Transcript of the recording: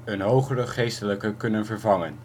een hogere geestelijke kunnen vervangen